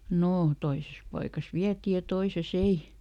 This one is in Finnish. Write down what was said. no toisessa paikassa vietiin ja toisessa ei